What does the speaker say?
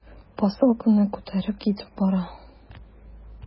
Посылканы күтәреп китеп бара.